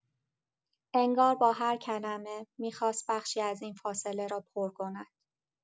انگار با هر کلمه، می‌خواست بخشی از این فاصله را پر کند.